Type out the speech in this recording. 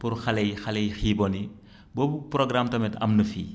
pour xale yi xale yi xiibon yi boobu programme tamit am na fii